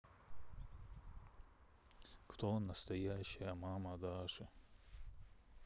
кто настоящая мама даши